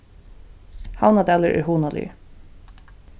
havnardalur er hugnaligur